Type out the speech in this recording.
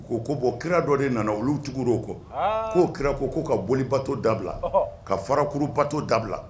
U ko ko bɔn kira dɔ de nana olu tigi o kɔ k'o kira ko ko ka boli bato dabila ka farakuru bato dabila